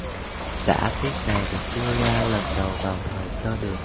giả thuyết này được đưa ra lần đầu vào thời sơ đường